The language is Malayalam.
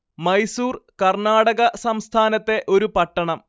മൈസൂർ കർണാടക സംസ്ഥാനത്തെ ഒരു പട്ടണം